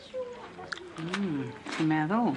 Hmm ti'n meddwl?